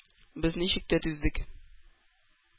Без ничек тә түздек.